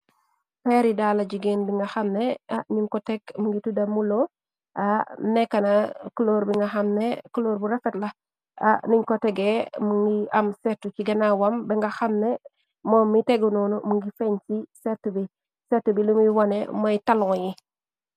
Peeri daala jigéen bi nga xamne nuñ ko teg mu ngi tudda mulo a.Nekkna cloor bi nga xamne cloor bu refet la nuñ ko tege. Mu ngi am settu ci gana wam bi nga xamne moo mi tegunoonu. Mu ngi feñ ci set bi set bi luñuy wone mooy talon yi.